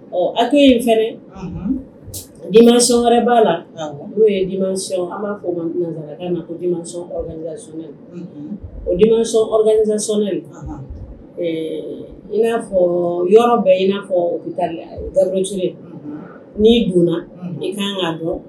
Ɔ a ko ye fɛ di sɔn wɛrɛ b'a la n'o yeɔn b'a fɔ na oɛ oɛ i na fɔ yɔrɔ bɛ i n'a fɔ taa n'i donna i ka kan k kaa dɔn